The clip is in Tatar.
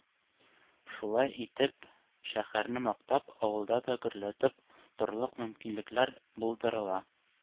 Шулай итеп, шәһәрне мактап, авылда да гөрләтеп торырлык мөмкинлекләр булдырыла.